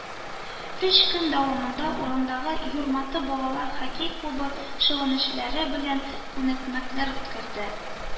Өч көн дәвамында урындагы “юрматы” балалар хоккей клубы шөгыльләнүчеләре белән күнекмәләр үткәрде